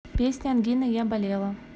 песня ангиной я болела